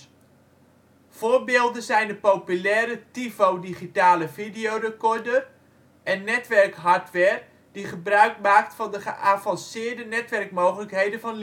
Voorbeelden zijn de populaire TiVo digitale videorecorder en netwerkhardware die gebruik maakt van de geavanceerde netwerkmogelijkheden van